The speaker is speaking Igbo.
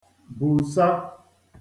bùsa